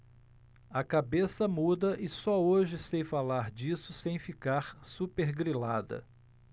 a cabeça muda e só hoje sei falar disso sem ficar supergrilada